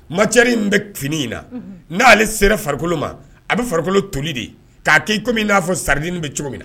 Matière min bɛ fini in na n'ale sera farikolo ma a bɛ farikolo toli de k'a kɛ comme i n'a fɔ sardine bɛ cogo min na.